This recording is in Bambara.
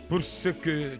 Pseke